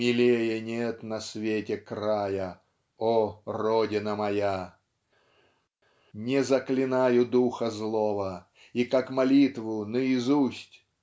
Милее нет на свете края, О, родина моя! Не заклинаю духа злого И как молитву наизусть